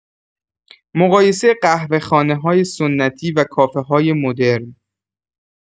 مقایسه قهوه‌خانه‌های سنتی و کافه‌های مدرن